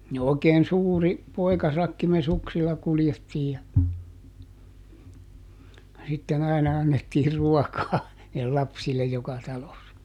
niin oikein suuri poikasakki me suksilla kuljettiin ja ja sitten aina annettiin ruokaa niille lapsille joka talossa